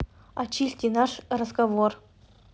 очисти наш разговор